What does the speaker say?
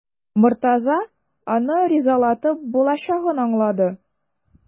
Мортаза аны ризалатып булачагын аңлады.